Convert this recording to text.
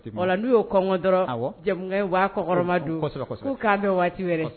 Bɔn n'u y ye kɔɔn dɔrɔn waa kɔkɔrɔma dun ko k'a bɛ waati wɛrɛ